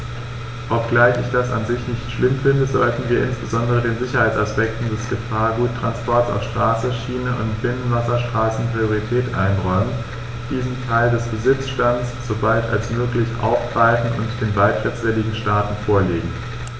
Obgleich ich das an sich nicht schlimm finde, sollten wir insbesondere den Sicherheitsaspekten des Gefahrguttransports auf Straße, Schiene und Binnenwasserstraßen Priorität einräumen, diesen Teil des Besitzstands so bald als möglich aufgreifen und den beitrittswilligen Staaten vorlegen.